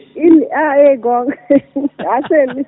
inɗe a eeyi goonga aɗa selli